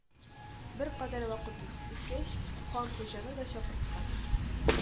Беркадәр вакыт үткәч, хан Хуҗаны да чакырткан